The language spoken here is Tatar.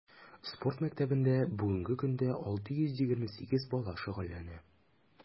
Спорт мәктәбендә бүгенге көндә 628 бала шөгыльләнә.